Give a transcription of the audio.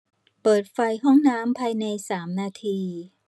เปิดไฟห้องน้ำภายในสามนาที